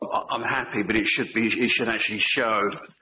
Well I'm happy, but it should be should actually show